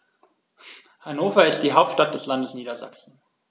Hannover ist die Hauptstadt des Landes Niedersachsen.